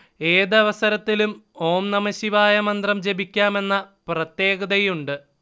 ഏതവസരത്തിലും ഓം നമഃശിവായ മന്ത്രം ജപിക്കാമെന്ന പ്രത്യേകതയുണ്ട്